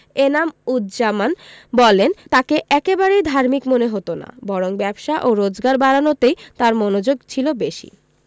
এনাম উজজামান বলেন তাঁকে একেবারেই ধার্মিক মনে হতো না বরং ব্যবসা ও রোজগার বাড়ানোতেই তাঁর মনোযোগ ছিল বেশি